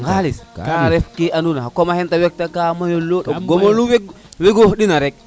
xalis ka ref ke ando na xa koma xe te wet na ka mayo lool to o gomolu wegoox ina rek